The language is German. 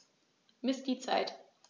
Miss die Zeit.